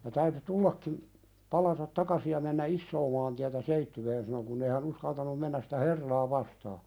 ja täytyi tullakin palata takaisin ja mennä isoa maantietä Seitsiöön sanoi kun ei hän uskaltanut mennä sitä herraa vastaan